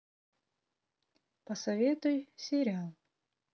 посоветуй сериал